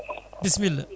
bisimilla